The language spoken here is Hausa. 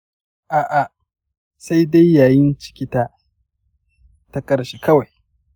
a'a, saidai yayin ciki ta, ta ƙarshe kawai.